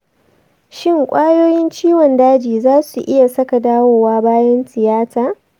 shin kwayoyin ciwon daji za su iya sake dawowa bayan tiyata?